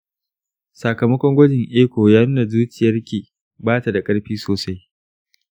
sakamakon gwajin echo ya nuna zuciyarki ba ta da ƙarfi sosai.